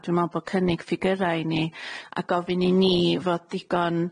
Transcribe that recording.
Dwi'n me'wl bo' cynnig ffigyra' i ni, a gofyn i ni fod digon-